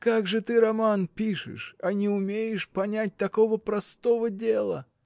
Как же ты роман пишешь, а не умеешь понять такого простого дела!.